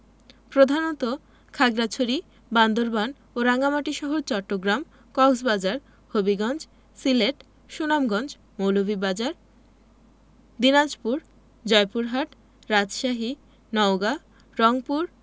প্রধানত খাগড়াছড়ি বান্দরবান ও রাঙ্গামাটিসহ চট্টগ্রাম কক্সবাজার হবিগঞ্জ সিলেট সুনামগঞ্জ মৌলভীবাজার দিনাজপুর জয়পুরহাট রাজশাহী নওগাঁ রংপুর